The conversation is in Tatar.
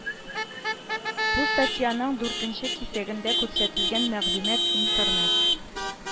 Бу статьяның дүртенче кисәгендә күрсәтелгән мәгълүмат Интернет